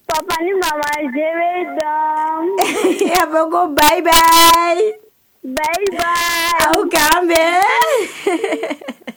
Papa ni mama je veux dormir et a fɔ ko bye bye bye bye aw k'an bɛɛn